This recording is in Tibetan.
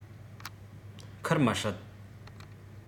ཁུར མི སྲིད